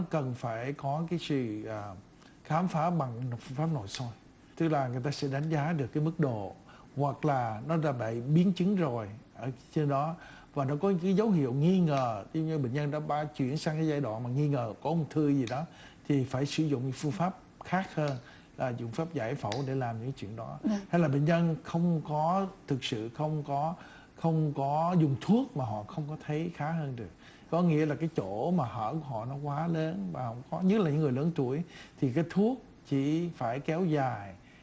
cần phải có cái sự khám phá bằng phương pháp nội soi thế là người ta sự đánh giá được cái mức độ quặc là nó đã bị biến chứng rồi ở trên đó và nó có cái dấu hiệu nghi ngờ tuy nhiên bệnh nhân đã chuyển sang giai đoạn nghi ngờ ung thư gì đó thì phải sử dụng phương pháp khác hơn là dùng pháp giải phẫu để làm những chuyện đó hay là bệnh nhân không có thực sự không có không có dùng thuốc mà họ không có thấy khá hơn được có nghĩa là cái chỗ mà hở họng nó quá lớn vào nhất là những người lớn tuổi thì cái thuốc chỉ phải kéo dài